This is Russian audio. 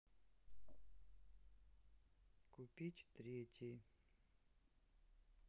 купить третий